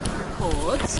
Ycod.